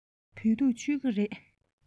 བོད ཐུག མཆོད ཀྱི རེད